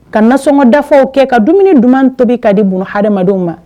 Ka nasɔngɔdafɔw kɛ ka dumuni duman tobi ka di bunahadamadenw ma.